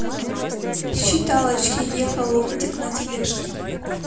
считалочки ехал лунтик на тележке